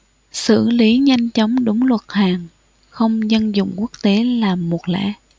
xử lý nhanh chóng đúng luật hàng không dân dụng quốc tế là một lẽ